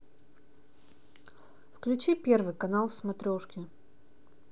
включи первый канал в смотрешке